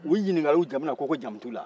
u ɲinikara u jamu la u ko jamu t'u la